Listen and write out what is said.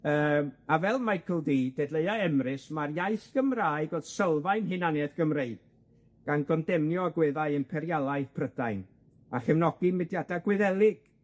Yym a fel Michael Dee dadleuai Emrys ma'r iaith Gymraeg o'dd sylfaen hunaniaeth Gymreig gan gondemnio agweddau imperialaidd Prydain a chefnogi mudiadau Gwyddelig